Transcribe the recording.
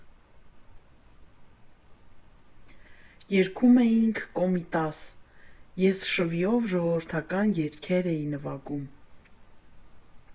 Երգում էինք Կոմիտաս, ես շվիով ժողովրդական երգեր էի նվագում։